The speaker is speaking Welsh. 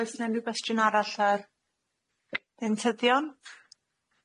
Oes 'na unryw gwestiwn arall ar deintyddion?